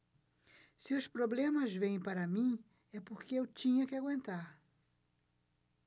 se os problemas vêm para mim é porque eu tinha que aguentar